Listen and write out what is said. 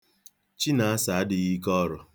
Chinasa adịghị ike ọrụ.